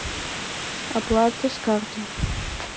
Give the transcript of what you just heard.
оплата с карты